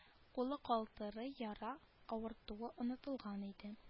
Кулы калтырый яра авыртуы онытылган иде